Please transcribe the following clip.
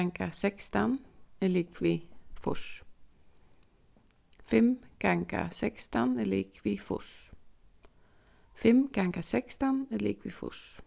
ganga sekstan er ligvið fýrs fimm ganga sekstan er ligvið fýrs fimm ganga sekstan er ligvið fýrs